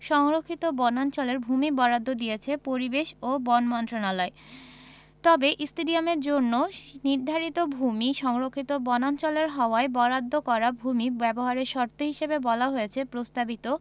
সংরক্ষিত বনাঞ্চলের ভূমি বরাদ্দ দিয়েছে পরিবেশ ও বন মন্ত্রণালয় তবে স্টেডিয়ামের জন্য নির্ধারিত ভূমি সংরক্ষিত বনাঞ্চলের হওয়ায় বরাদ্দ করা ভূমি ব্যবহারের শর্ত হিসেবে বলা হয়েছে প্রস্তাবিত